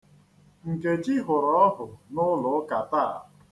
Nkechi hụrụ ọhụ n'ụlọụka taa.